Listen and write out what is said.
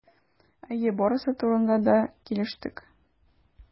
Әйе, барысы турында да килештек.